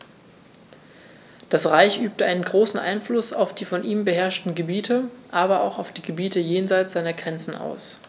Das Reich übte einen großen Einfluss auf die von ihm beherrschten Gebiete, aber auch auf die Gebiete jenseits seiner Grenzen aus.